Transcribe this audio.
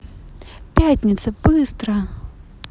пятница быстро